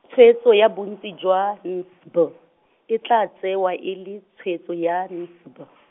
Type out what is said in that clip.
tshwetso ya bontsi jwa N S B, e tla tsewa e le tshwetso ya, N S B.